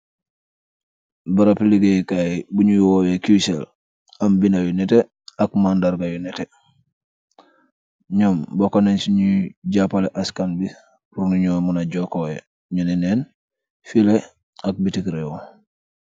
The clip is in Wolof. Borom legaye gai , bujuh oyeh Qcell , amm bendah yu neteh , mankerr yu neteh num bokah nen si juh , japaleh askan bi burr nu nuj munah jokoh yanteh neken , feleh ak betenreh.